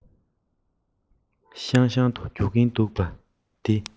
ཤང ཤང དུ རྒྱུག གིན འདུག པ འདི